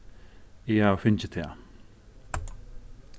eg havi fingið tað